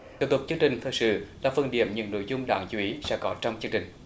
tiếp tục chương trình thời sự là phương điểm những nội dung đáng chú ý sẽ có trong chương trình